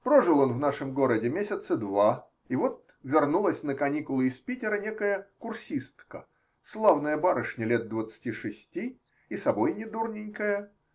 Прожил он в нашем городе месяца два, и вот вернулась на каникулы из Питера некая курсистка, славная барышня лет двадцати шести, и собой недурненькая.